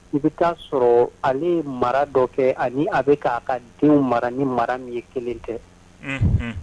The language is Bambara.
I bɛ taaa sɔrɔ ani mara dɔ kɛ ani a bɛ k'a ka denw mara ni mara ni ye kelen kɛ